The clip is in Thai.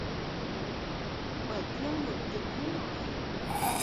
เปิดเครื่องดูดกลิ่นให้หน่อย